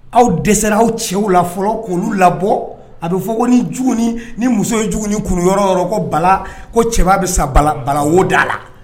Aw dɛsɛ aw cɛw la fɔlɔ k'olu labɔ a bɛ fɔ ko ni ni muso ye j kunyɔrɔ ko bala ko cɛba bɛ sa bala woda la